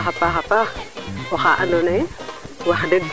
i xarel calel mosu ke ga ona Gnilane Ndour a jala kama ɗingale